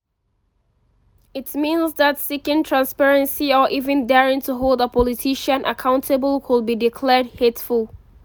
It means that seeking transparency or even daring to hold a politician accountable could be declared hateful.